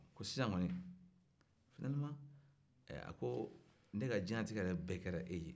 sisan kɔni finaleman ee a ko ne ka diɲɛnatigɛ yɛrɛ bɛɛ kɛra e ye